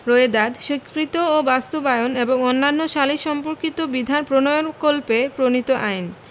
রোয়েদাদ স্বীকৃতি ও বাস্তবায়ন এবং অন্যান্য সালিস সম্পর্কিত বিধান প্রণয়নকল্পে প্রণীত আইন